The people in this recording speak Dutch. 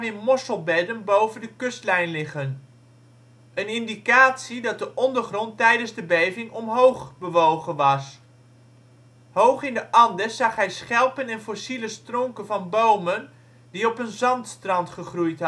mosselbedden boven de kustlijn liggen, een indicatie dat de ondergrond tijdens de beving omhoog bewogen was. Hoog in de Andes zag hij schelpen en fossiele stronken van bomen die op een zandstrand gegroeid hadden